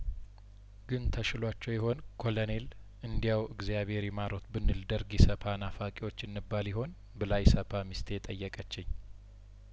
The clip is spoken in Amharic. ግን ተሽ ሏቸው ይሆን ኮሎኔል እንዲያው እግዜር ይማ ሮት ብንል ደርግ ኢሰፓናፋቂዎች እንባል ይሆን ብላ ኢሰፓ ሚስቴ ጠየቀችኝ